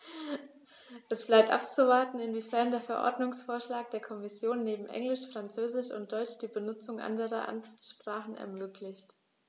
Es bleibt abzuwarten, inwiefern der Verordnungsvorschlag der Kommission neben Englisch, Französisch und Deutsch die Benutzung anderer Amtssprachen ermöglicht.